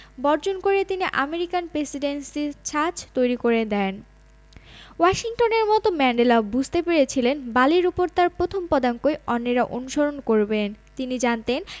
বর্জন করে তিনি আমেরিকান প্রেসিডেন্সির ছাঁচ তৈরি করে দেন ওয়াশিংটনের মতো ম্যান্ডেলাও বুঝতে পেরেছিলেন বালির ওপর তাঁর প্রথম পদাঙ্কই অন্যেরা অনুসরণ করবেন তিনি জানতেন